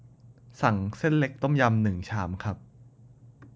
สั่งเส้นเล็กต้มยำหนึ่่งชามครับ